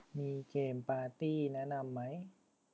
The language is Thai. มีเกมปาตี้แนะนำไหม